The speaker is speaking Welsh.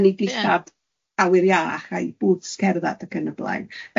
yn ei dillad awyr iach a'i bwts cerddad ac yn y blaen.